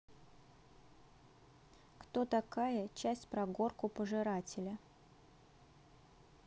кто такая часть про горку пожиратели